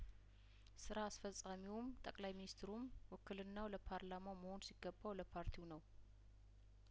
ስራ አስፈጻሚውም ጠቅላይ ሚኒስትሩም ውክልናው ለፓርላማው መሆን ሲገባው ለፓርቲው ነው